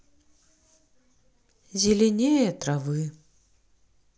зеленее травы